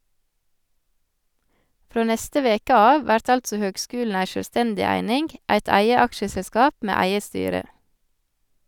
Frå neste veke av vert altså høgskulen ei sjølvstendig eining, eit eige aksjeselskap med eige styre.